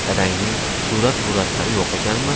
dadangning surat puratlari yo'q ekanmi